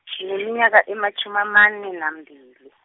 ngineminyaka ematjhumi amane, nambili .